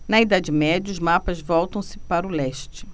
na idade média os mapas voltam-se para o leste